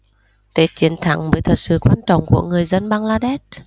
tết chiến thắng mới thật sự quan trọng của người dân bangladesh